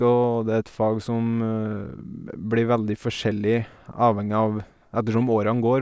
Og det et fag som blir veldig forskjellig avhengig av ettersom årene går.